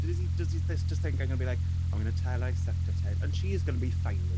Does he, does he just think I'm going to be like, "I'm going to tell her I sucked her tit, and she is going to be fine with it."